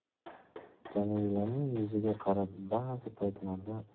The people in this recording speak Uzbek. jamilaning yuziga qarab ba'zi paytlarda